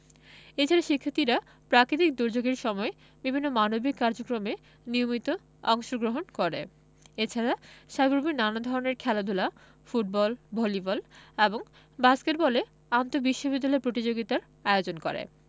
এছাড়া শিক্ষার্থীরা প্রাকৃতিক দূর্যোগের সময় বিভিন্ন মানবিক কার্যক্রমে নিয়মিত অংশগ্রহণ করে এছাড়া সাবিপ্রবি নানা ধরনের খেলাধুলা ফুটবল ভলিবল এবং বাস্কেটবলে আন্তঃবিশ্ববিদ্যালয় প্রতিযোগিতার আয়োজন করে